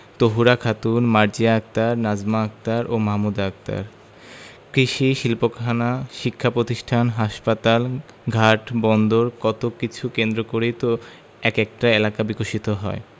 তহুরা খাতুন মার্জিয়া আক্তার নাজমা আক্তার ও মাহমুদা আক্তার কৃষি শিল্পকারখানা শিক্ষাপ্রতিষ্ঠান হাসপাতাল ঘাট বন্দর কত কিছু কেন্দ্র করেই তো এক একটা এলাকা বিকশিত হয়